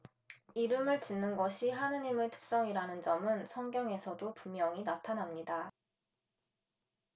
이름을 짓는 것이 하느님의 특성이라는 점은 성경에서도 분명히 나타납니다